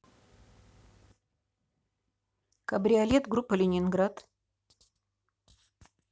кабриолет группа ленинград